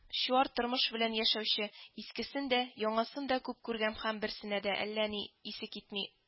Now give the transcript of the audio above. Чуар тормыш белән яшәүче, искесен дә, яңасын да күп күргән һәм берсенә дә әллә ни исе китми